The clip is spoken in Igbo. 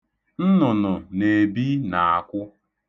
Nnụnụ na-ebi n'akwụ.